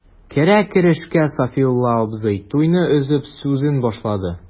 Керә-керешкә Сафиулла абзый, туйны өзеп, сүзен башлады.